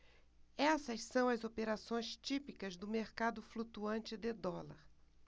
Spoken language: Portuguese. essas são as operações típicas do mercado flutuante de dólar